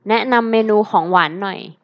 แนะนำเมนูของหวานหน่อย